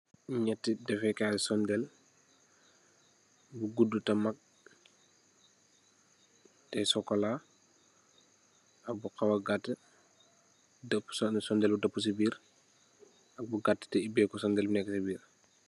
Nëtt defèkaay sundèl yu guddu ta mag, tè sokola ak bu hawa gatt dog sundèl dapu ci biir ak bu gatt tè ubè ku sundel nekk ci biir.